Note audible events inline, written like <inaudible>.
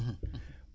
<hesitation> <hesitation>